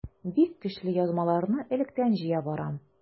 Бик көчле язмаларны электән җыя барам.